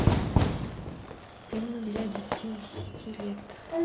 фильмы для детей десяти лет